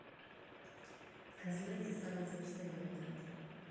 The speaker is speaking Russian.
козлы эти самые смешные моменты